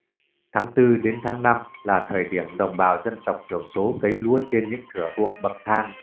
tháng là thời điểm đồng bào dân tộc thiểu số cấy lúa trên những thửa ruộng bậc thang